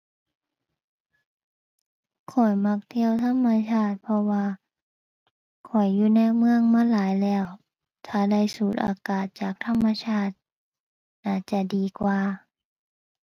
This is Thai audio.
ข้อยมักเที่ยวธรรมชาติ เพราะว่าข้อยอยู่ในเมืองมาหลายแล้ว ถ้าได้สูดอากาศจากธรรมชาติน่าจะดีกว่า